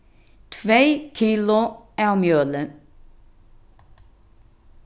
tvey kilo av mjøli